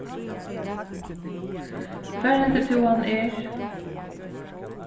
hvar heldur tú hann er